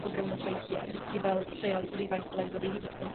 cwpwl o nosweithie jyst i fel treal rifeitaleiso fy hunan.